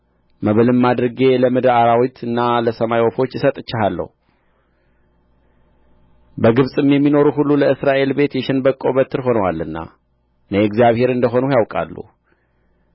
መብልም አድርጌ ለምድር አራዊትና ለሰማይ ወፎች ሰጥቼሃለሁ በግብጽም የሚኖሩ ሁሉ ለእስራኤል ቤት የሸንበቆ በትር ሆነዋልና እኔ እግዚአብሔር እንደ ሆንሁ ያውቃሉ